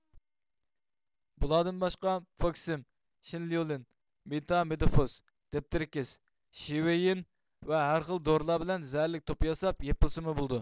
بۇلاردىن باشقا فوكسىم شىنليۇلىن مېتا مىدوفوس دىپتېرىكىس شۋىييىن ۋە ھەرخىل دورىلار بىلەن زەھەرلىك توپا ياساپ يېپىلسىمۇ بولىدۇ